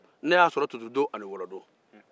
ne y'a sɔrɔ tutudo ani wɔlɔdo